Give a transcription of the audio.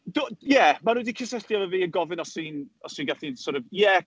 Do, ie, maen nhw 'di cysylltu efo fi yn gofyn os dwi'n os dwi'n gallu, sort of, ie.